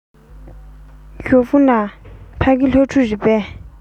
ཞའོ ཧྥུང ལགས ཕ གི སློབ ཕྲུག རེད པས